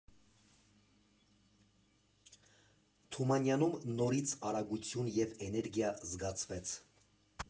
Թումանյանում նորից արագություն և էներգիա զգացվեց։